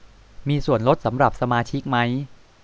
มีส่วนลดสำหรับสมาชิกมั้ย